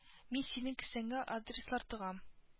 Мин синең кесәңә адреслар тыгам